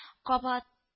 Кабат